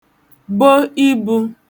bo ibū